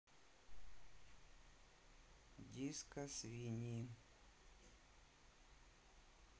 дискосвиньи